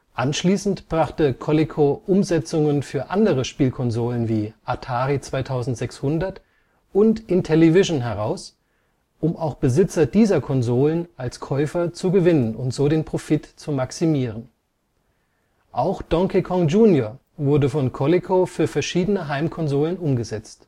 Anschließend brachte Coleco Umsetzungen für andere Spielkonsolen wie Atari 2600 und Intellivision heraus, um auch Besitzer dieser Konsolen als Käufer zu gewinnen und so den Profit zu maximieren. Auch Donkey Kong Jr. wurde von Coleco für verschiedene Heimkonsolen umgesetzt